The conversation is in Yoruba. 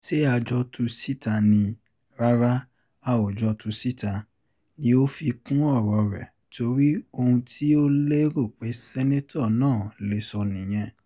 Ṣé a jọ tu síta ni...Rárá, a ò jọ tu síta,” ni ó fi kún ọ̀rọ̀ ẹ̀, torí ohun tí ó lérò pé Sínátọ̀ náà lè sọ nìyẹn.